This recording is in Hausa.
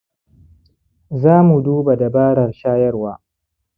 za mu duba dabarar shayarwa